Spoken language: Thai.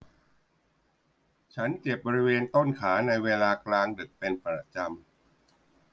ฉันเจ็บบริเวณต้นขาในเวลากลางดึกเป็นประจำ